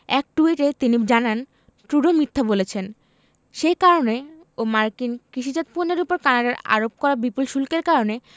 এক টুইটে তিনি জানান ট্রুডো মিথ্যা বলেছেন সে কারণে ও মার্কিন কৃষিজাত পণ্যের ওপর কানাডার আরোপ করা বিপুল শুল্কের কারণে